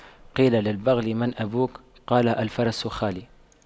قيل للبغل من أبوك قال الفرس خالي